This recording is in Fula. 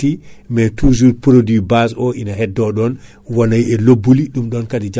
kanko ko 10G paquet o ko gramme uji sappo